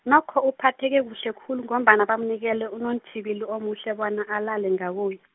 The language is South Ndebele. nokho uphatheke kuhle kulu ngombana bamnikela unontjhibila omuhle bona alale ngakuye.